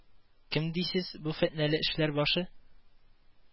Кем, дисез, бу фетнәле эшләр башы